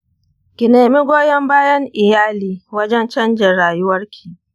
ki nemi goyon bayan iyali wajen canjin rayuwarki.